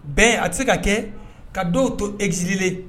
Bɛn a tɛ se ka kɛ ka dɔw to exiler ye